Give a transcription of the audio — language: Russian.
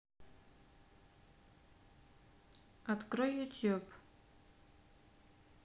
открой ютьюб